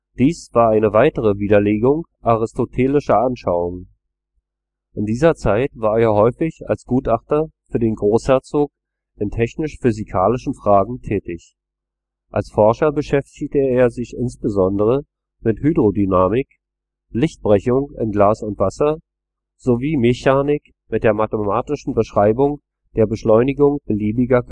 Dies war eine weitere Widerlegung aristotelischer Anschauungen. In dieser Zeit war er häufig als Gutachter für den Großherzog in technisch-physikalischen Fragen tätig. Als Forscher beschäftigte er sich insbesondere mit Hydrodynamik, Lichtbrechung in Glas und Wasser sowie Mechanik mit der mathematischen Beschreibung der Beschleunigung beliebiger